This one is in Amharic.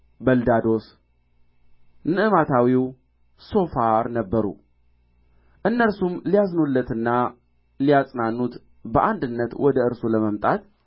በልዳዶስ ነዕማታዊው ሶፋር ነበሩ እነርሱም ሊያዝኑለትና ሊያጽናኑት በአንድነት ወደ እርሱ ለመምጣት